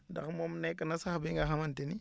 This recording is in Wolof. ndax moom nekk na sax bi nga xamante ni